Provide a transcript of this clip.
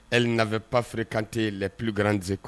Hali na bɛ papere kante la pplik garanrane kuwa